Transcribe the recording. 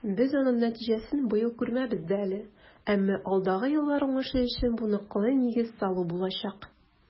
Без аның нәтиҗәсен быел күрмәбез дә әле, әмма алдагы еллар уңышы өчен бу ныклы нигез салу булачак.